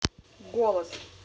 голос